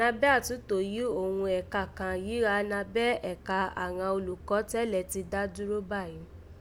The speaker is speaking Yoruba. Nabẹ́ àtúntò yìí òghun ẹ̀ka kàn yìí gha nabẹ́ ẹ̀ka àghan olùkọ́ tẹ́lẹ̀ ti dà dúró báyìí